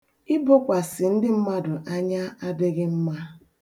Ibokwasị ndị mmadụ anya adịghị mma.